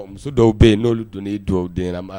Muso dɔw bɛ yen n'olu donna' dɔw den ma